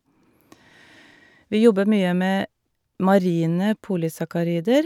Vi jobber mye med marine polysakkarider.